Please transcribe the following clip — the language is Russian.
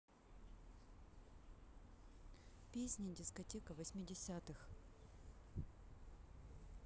песни дискотека восьмидесятых